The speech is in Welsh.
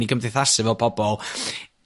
i gymdeithasu 'fo pobol